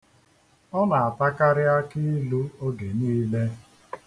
Ọ na-atakarị akiilu oge niile.